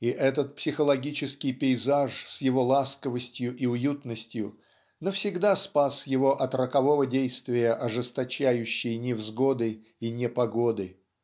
и этот психологический пейзаж с его ласковостью и уютностью навсегда спас его от рокового действия ожесточающей невзгоды и непогоды.